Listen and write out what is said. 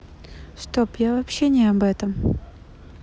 стоп я вообще не об этом